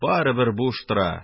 - барыбер буш тора,